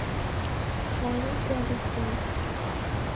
«Շարի՛, գալիս եմ»։